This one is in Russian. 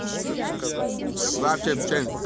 live in los angeles